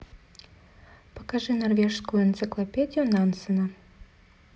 покажи норвежскую экспедицию нансена